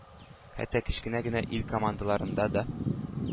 Хәтта кечкенә генә ил командаларында да